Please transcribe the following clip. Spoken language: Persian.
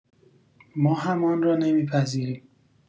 ما هم آن را نمی‌پذیریم.